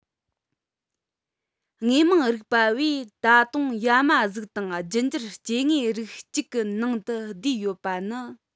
དངོས མང རིག པ བས ད དུང ཡ མ གཟུགས དང རྒྱུད འགྱུར སྐྱེ དངོས རིགས གཅིག གི ནང དུ བསྡུས ཡོད པ ནི